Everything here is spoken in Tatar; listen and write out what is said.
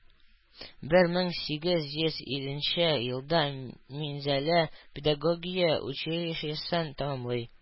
Бер мең сигез йөз илленче елда Минзәлә педагогия училищесын тәмамлый